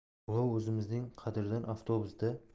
ulov o'zimizning qadrdon avtobus da